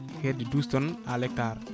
hedde douze tonnes ç l' hectare